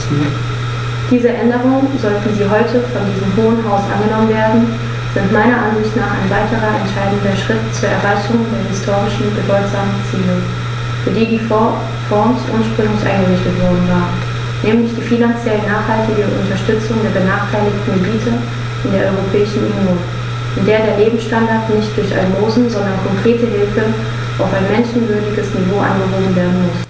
Diese Änderungen, sollten sie heute von diesem Hohen Haus angenommen werden, sind meiner Ansicht nach ein weiterer entscheidender Schritt zur Erreichung der historisch bedeutsamen Ziele, für die die Fonds ursprünglich eingerichtet worden waren, nämlich die finanziell nachhaltige Unterstützung der benachteiligten Gebiete in der Europäischen Union, in der der Lebensstandard nicht durch Almosen, sondern konkrete Hilfe auf ein menschenwürdiges Niveau angehoben werden muss.